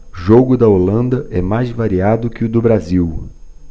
jogo da holanda é mais variado que o do brasil